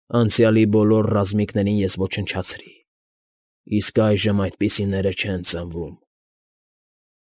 Անցյալի բոլոր ռազմիկներին ես ոչնչացրի, իսկ այժմ այդպիսիները չեն ծնվում։